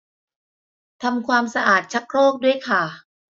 ทำความสะอาดชักโครกด้วยค่ะ